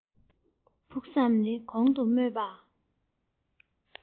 ཕུགས བསམ ནི གོང དུ སྨོས པ